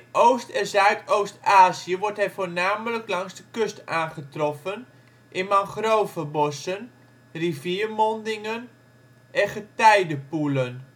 Oost - en Zuidoost-Azië wordt hij voornamelijk langs de kust aangetroffen, in mangrovebossen, riviermondingen en getijdepoelen